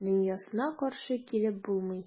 Дөньясына каршы килеп булмый.